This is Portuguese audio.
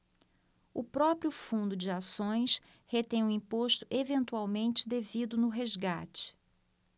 o próprio fundo de ações retém o imposto eventualmente devido no resgate